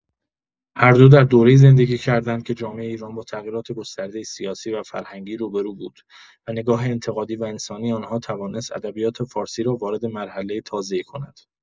هر دو در دوره‌ای زندگی کردند که جامعه ایران با تغییرات گسترده سیاسی و فرهنگی روبه‌رو بود و نگاه انتقادی و انسانی آنها توانست ادبیات فارسی را وارد مرحله تازه‌ای کند.